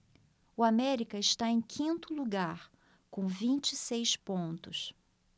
o américa está em quinto lugar com vinte e seis pontos